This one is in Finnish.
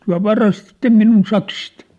te varastitte minun sakset